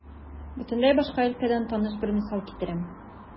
Бөтенләй башка өлкәдән таныш бер мисал китерәм.